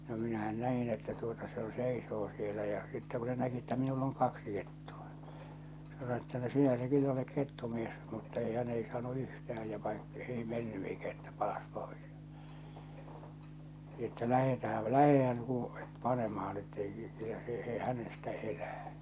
no minähän näin että tuota se jo seisoo siellä ja sitten kun se näki että minulla on kaksi kettua se sanoi että no sinä se kyllä olet kettumies mutta ei hän ei saanut yhtään ja vain ei mennyt eikä että palasi pois että lähdetäänhän lähdehän - panemaan että ei kyllä se - hänestä elää